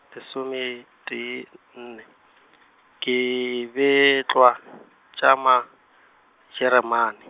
lesometee nne, ke betlwa , tša Majeremane.